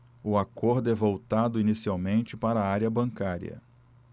o acordo é voltado inicialmente para a área bancária